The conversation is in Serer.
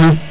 axa